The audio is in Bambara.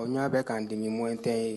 O ɲɛ bɛ ka n dimi moyen tɛ n ye